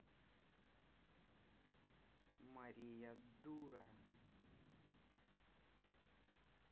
мария дура